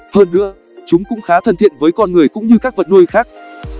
hơn nữa chúng cũng khá thân thiện với con người cũng như các vật nuôi khác